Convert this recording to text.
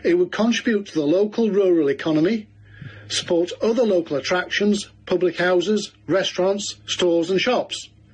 it would contribute to the local rural economy, support other local attractions, public houses, restaurants, stores and shops.